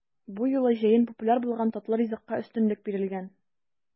Бу юлы җәен популяр булган татлы ризыкка өстенлек бирелгән.